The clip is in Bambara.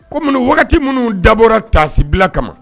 Kɔmi wagati minnu dabɔra tasi bila kama